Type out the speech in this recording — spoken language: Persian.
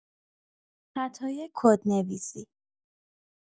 خطای کدنویسی.